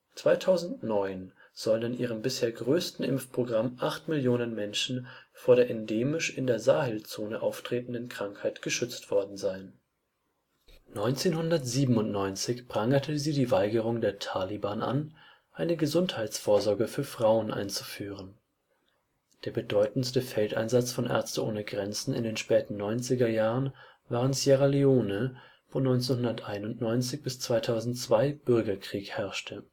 2009 sollen in ihrem bisher größten Impfprogramm acht Millionen Menschen vor der endemisch in der Sahelzone auftretenden Krankheit geschützt worden sein. 1997 prangerte sie die Weigerung der Taliban an, eine Gesundheitsvorsorge für Frauen einzuführen. Der bedeutendste Feldeinsatz von Ärzte ohne Grenzen in den späten neunziger Jahren war in Sierra Leone, wo 1991 bis 2002 Bürgerkrieg herrschte